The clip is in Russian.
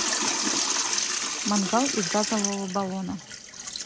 мангал из газового баллона